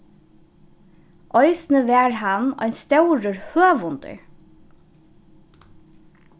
eisini var hann ein stórur høvundur